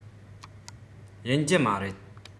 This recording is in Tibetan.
ཡིན གྱི མ རེད